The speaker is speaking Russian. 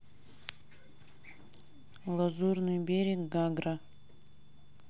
лазурный берег гагра